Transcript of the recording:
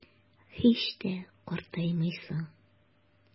Һич тә картаймыйсың.